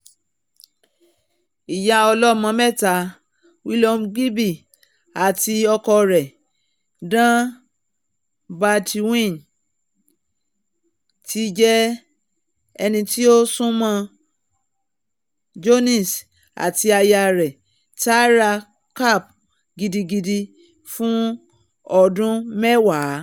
Ìyá-ọlómọ-mẹ́ta Willoughby àti ọkọ rẹ̀ Dan Baldwin ti jẹ́ ẹniti ó súnmọ́ Jones àti aya rẹ̀ Tara Capp gidigidi fún ọdún mẹ́wàá.